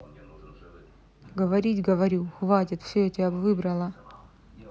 говорить говорю хватит все я тебя выбрала